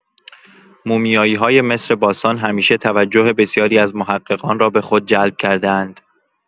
مومیایی‌های مصر باستان همیشه توجه بسیاری از محققان را به خود جلب کرده‌اند.